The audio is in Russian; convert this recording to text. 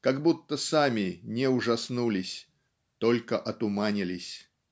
как будто сами не ужаснулись только отуманились.